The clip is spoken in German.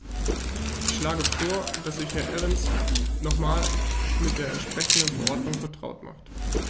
Ich schlage vor, dass sich Herr Evans nochmals mit der entsprechenden Verordnung vertraut macht.